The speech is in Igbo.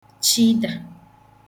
chịdà